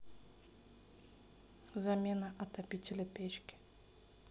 замена отопителя печки